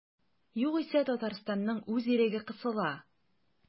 Югыйсә Татарстанның үз иреге кысыла.